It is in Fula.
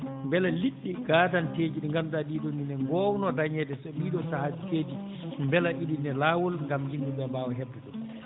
mbele liɗɗi gaadanteeɗi ɗi ngannduɗaa ɗii ɗoo nii no ngoownoo dañeede so ɗii ɗoo sahaaji keedii mbela ɗina laawol ngam yimɓe ɓe mbaawa heɓde ɗum